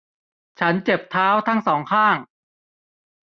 ฉันเจ็บเท้าทั้งสองข้าง